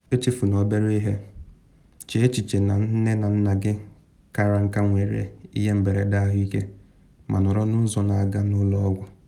Echefuna obere ihe: Chee echiche na nne na nna gị kara nka nwere ihe mberede ahụike ma nọrọ n’ụzọ na aga n’ụlọ ọgwụ.